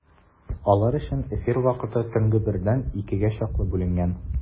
Алар өчен эфир вакыты төнге бердән икегә чаклы бүленгән.